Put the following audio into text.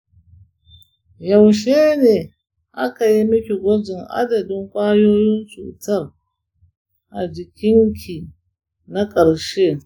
yaushe ne aka yi miki gwajin adadin ƙwayoyin cutar a jikinki na ƙarshe?